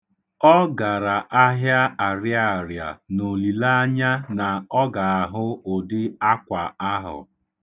Ọ gara ahịa Arịarịa n'olilaanya na ọ ga-ahụ ụdị akwa ahụ.